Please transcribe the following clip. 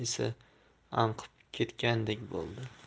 isi anqib ketgandek bo'ldi